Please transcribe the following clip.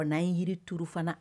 N'a ye yiri turu fana